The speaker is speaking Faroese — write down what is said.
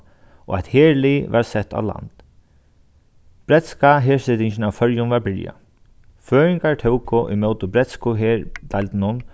og eitt herlið var sett á land bretska hersetingin av føroyum var byrjað føroyingar tóku ímóti bretsku herdeildunum